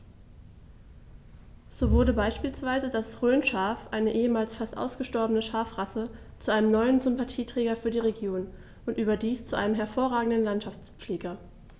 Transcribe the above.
So wurde beispielsweise das Rhönschaf, eine ehemals fast ausgestorbene Schafrasse, zu einem neuen Sympathieträger für die Region – und überdies zu einem hervorragenden Landschaftspfleger.